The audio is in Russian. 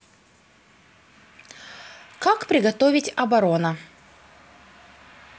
как приготовить оборона